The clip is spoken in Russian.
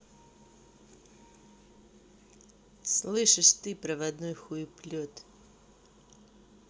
слышишь ты проводной хуеплет